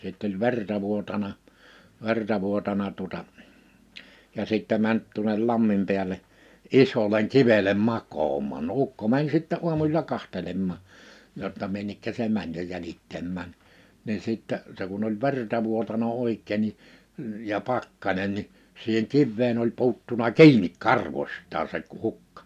sitten oli verta vuotanut verta vuotanut tuota ja sitten meni tuonne lammin päälle isolle kivelle makaamaan no ukko meni sitten aamusilla katsomaan jotta minne se meni jo jäljittämään niin sitten se kun oli verta vuotanut oikein niin ja pakkanen niin siihen kiveen oli puuttunut kiinni karvoistaan se - hukka